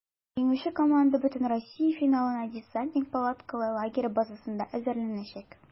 Җиңүче команда бөтенроссия финалына "Десантник" палаткалы лагере базасында әзерләнәчәк.